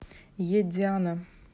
едь диана